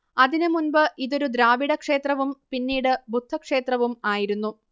അതിനുമുൻപ് ഇതൊരു ദ്രാവിഡക്ഷേത്രവും പിന്നീട് ബുദ്ധക്ഷേത്രവും ആയിരുന്നു